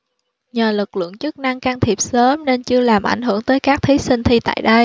nhờ lực lượng chức năng can thiệp sớm nên chưa làm ảnh hưởng tới các thí sinh thi tại đây